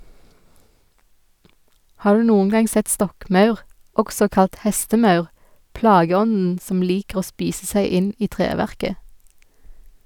Har du noen gang sett stokkmaur, også kalt hestemaur, plageånden som liker å spise seg inn i treverket?